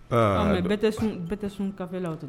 Aaaa a mais bɛɛ tɛ sun bɛɛ tɛ sun café la o te